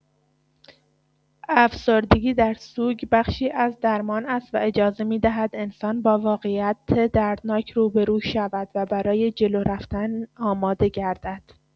افسردگی در سوگ بخشی از درمان است و اجازه می‌دهد انسان با واقعیت دردناک روبه‌رو شود و برای جلو رفتن آماده گردد.